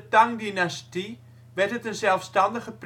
Tang-dynastie werd het een zelfstandige